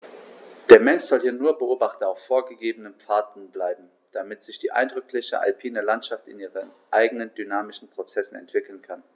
Der Mensch soll hier nur Beobachter auf vorgegebenen Pfaden bleiben, damit sich die eindrückliche alpine Landschaft in ihren eigenen dynamischen Prozessen entwickeln kann.